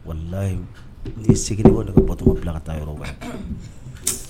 Wala layi n'i sigi de ko bɔ tɔgɔ bɛ la ka taa yɔrɔba